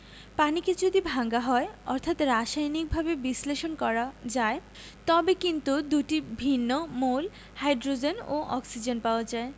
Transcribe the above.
পানিকে যদি ভাঙা হয় অর্থাৎ রাসায়নিকভাবে বিশ্লেষণ করা যায় তবে কিন্তু দুটি ভিন্ন মৌল হাইড্রোজেন ও অক্সিজেন পাওয়া যায়